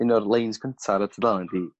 un o'r leins cynta ar y tudalen ydi